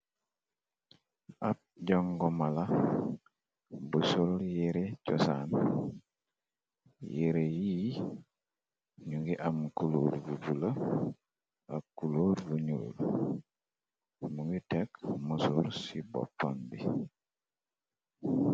Ab jongomala bu sool yire chosan yire yi ñu ngi am kulóor bu bulo ak kulóor bu nuul mu ngi tekk mësor ci boppan bi.